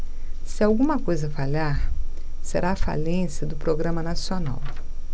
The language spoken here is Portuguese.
se alguma coisa falhar será a falência do programa nacional